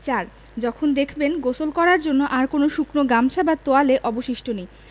৪. যখন দেখবেন গোসল করার জন্য আর কোনো শুকনো গামছা বা তোয়ালে অবশিষ্ট নেই